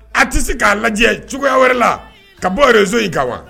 A tɛ se k'a lajɛ cogoyaya wɛrɛ la ka bɔ yɛrɛso in kan wa